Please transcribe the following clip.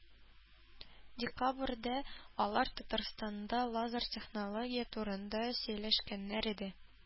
Декабрьдә алар Татарстанда лазер технология турында сөйләшкәннәр иде.